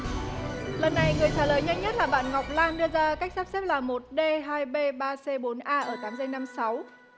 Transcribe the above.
lần này người trả lời nhanh nhất là bạn ngọc lan đưa ra cách sắp xếp là một đê hai bê ba xê bốn a ở tám giây năm sáu